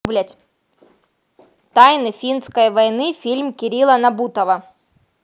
тайны финской войны фильм кирилла набутова